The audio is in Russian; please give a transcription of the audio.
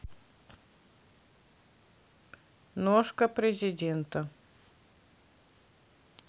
ножка президента